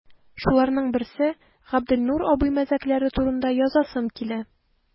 Шуларның берсе – Габделнур абый мәзәкләре турында язасым килә.